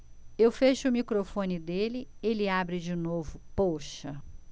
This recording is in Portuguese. eu fecho o microfone dele ele abre de novo poxa